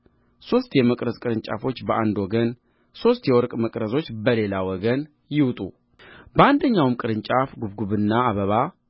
ሦስት የመቅረዙ ቅርንጫፎች በአንድ ወገን ሦስትም የመቅረዙ ቅርንጫፎች በሌላ ወገን ይውጡ በአንደኛውም ቅርንጫፍ ጕብጕብና አበባ